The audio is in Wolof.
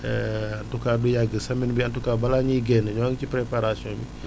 en tout cas du yàgg semaine bii en tout cas balaa ñuy génn ñoo ngi ci préparation bi